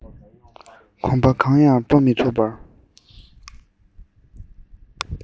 གོམ པ གང ཡང སྤོ མི ཐུབ པར